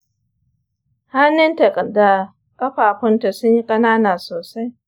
hannunta da ƙafafunta sun yi ƙanana sosai.